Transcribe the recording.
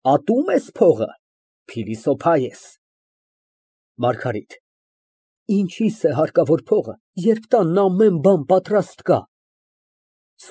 Ատո՞ւմ ես փողը, փիլիսոփա ես։ ՄԱՐԳԱՐԻՏ ֊ Ինչիս է հարկավոր փողը, երբ տանն ամեն բան պատրաստ կա։